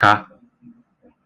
kā